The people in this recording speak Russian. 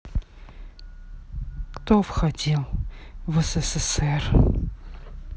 кто входил в ссср